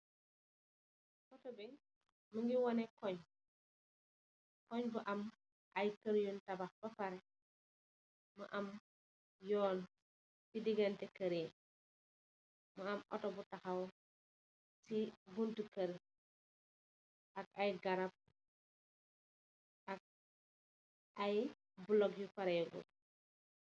Mottor bii mingui woneh konch, konch bu am kerr yunch tabahk be pareh. Mu am yon si digenteh kerr yii. Mu am mottor bu tahaw si buntu kerr ak ayy garap ak block yu pareh gut